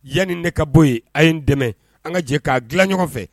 Yanni de ka bɔ ye a' ye dɛmɛ an ka jɛ k'a dilan ɲɔgɔn fɛ